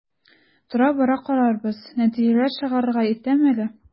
Тора-бара карарбыз, нәтиҗәләр чыгарырга иртәме әле?